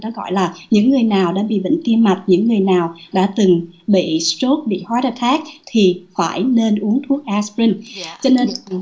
nó gọi là những người nào đã bị bệnh tim mạch những người nào đã từng bị sốt bị sờ tróp ờ tát thì phải nên uống thuốc a sờ pin cho nên